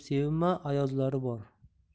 sevinma ayozlari bor